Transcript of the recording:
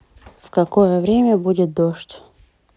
в какое время будет дождь